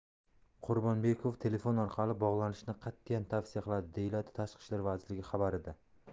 qurbonbekov telefon orqali bog'lanishni qat'iyan tavsiya qiladi deyiladi tashqi ishlar vazirligi xabarida